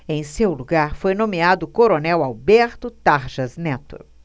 em seu lugar foi nomeado o coronel alberto tarjas neto